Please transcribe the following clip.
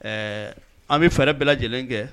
Ɛɛ an bɛ fɛɛrɛ bɛɛ lajɛlen kɛ